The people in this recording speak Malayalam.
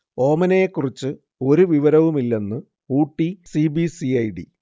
ഓമനയെ കുറിച്ച് ഒരു വിവരവുമില്ലെന്ന് Ooty C. B. C. I. D